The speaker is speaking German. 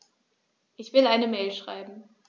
Ich will eine Mail schreiben.